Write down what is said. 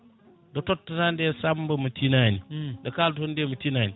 nde tootata nde Samba mi tinani nde kaldo ton mi tinani